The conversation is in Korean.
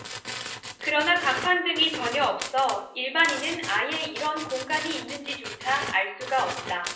그러나 간판 등이 전혀 없어 일반인은 아예 이런 공간이 있는지조차 알 수가 없다